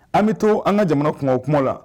An bɛ to an ka jamana kungo kuma la